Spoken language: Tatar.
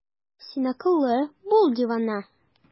Син акыллы, бул дивана!